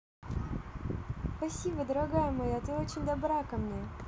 спасибо дорогая моя ты очень добра ко мне